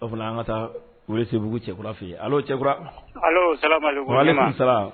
O fana an ka taa woro sebugu cɛkura f ye cɛkura sara